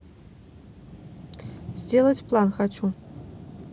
сделать план хочу